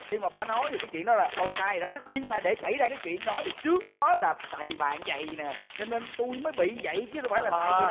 khi mà bà nói cái chuyện đó là con sai rồi đó nhưng mà để xảy ra cái chuyện đó thì trước đó là tại vì bà như vậy nè cho nên tui mới bị như vậy chứ đâu phải là